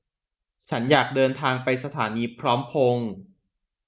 ฉันอยากเดินทางไปสถานีพร้อมพงษ์